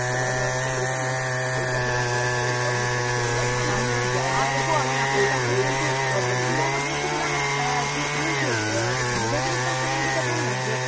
তো ঘটনাটা তো এরকমই হয় এটা খালি আমি একটা উদাহরণ হিসেবে বললাম বিভিন্ন জায়গায় আবার আসবো আমি আপনার কাছে প্রবলেম গুলো হচ্ছে কিন্তু মোঃ রশিদুল আলম যে ওই যে মোজাহিদুল ইসলাম সেলিম যেটা বললেন যে